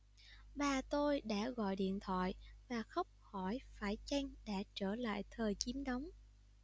bà tôi đã gọi điện thoại và khóc hỏi phải chăng đã trở lại thời chiếm đóng